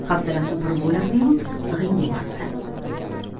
hafsalasi pir bo'lardi yu g'ing demasdan